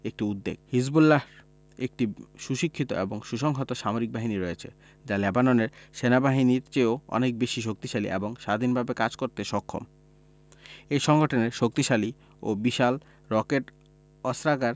একটি উদ্বেগ হিজবুল্লাহ একটি সুশিক্ষিত এবং সুসংহত সামরিক বাহিনী রয়েছে যা লেবাননের সেনাবাহিনীর চেয়েও অনেক বেশি শক্তিশালী এবং স্বাধীনভাবে কাজ করতে সক্ষম এই সংগঠনের শক্তিশালী ও বিশাল রকেট অস্ত্রাগার